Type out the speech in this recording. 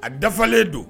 A dafalen don